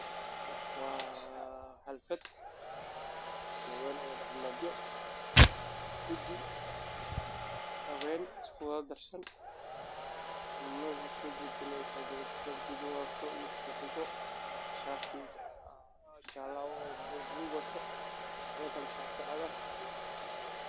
Waa xalfad ka kooban oday dhaqameedyo, gudi iyo dumar